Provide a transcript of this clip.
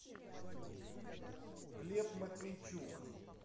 глеб матвейчук